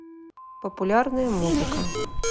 популярная музыка